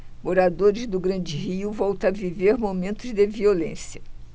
moradores do grande rio voltam a viver momentos de violência